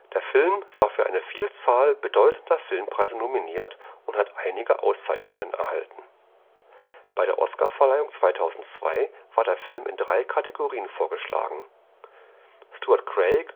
Der Film war für eine Vielzahl bedeutender Filmpreise nominiert und hat einige Auszeichnungen erhalten. [Anm. 5] Bei der Oscarverleihung 2002 war der Film in drei Kategorien vorgeschlagen: Stuart Craig